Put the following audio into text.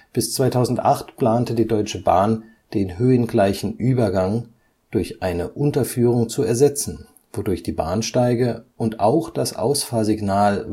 Bis 2008 plante die Deutsche Bahn den höhengleichen Übergang durch eine Unterführung zu ersetzen, wodurch die Bahnsteige und auch das Ausfahrsignal